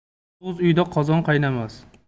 yolg'iz uyda qozon qaynamas